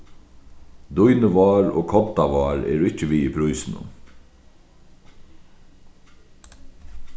dýnuvár og koddavár eru ikki við í prísinum